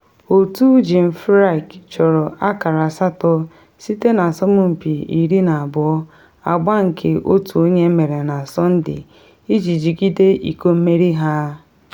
Otu Jim Furyk chọrọ akara asatọ site na asompi 12 agba nke otu onye mere na Sọnde iji jigide iko mmeri ha.